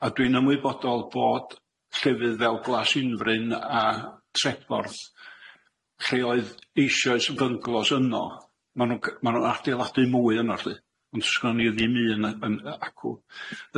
a dwi'n ymwybodol bod llefydd fel Glasinfryn a Treborth lle oedd eishoes fynglos yno ma' nw'n c- ma' nw'n adeiladu mwy yno lly ond sgynno ni ddim un yy yn yy acw,